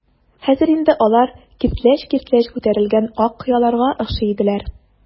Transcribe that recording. Хәзер инде алар киртләч-киртләч күтәрелгән ак кыяларга охшый иделәр.